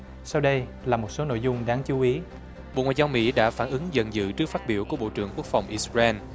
sau đây là một số nội dung đáng chú ý bộ ngoại giao mỹ đã phản ứng giận dữ trước phát biểu của bộ trưởng quốc phòng i xờ ren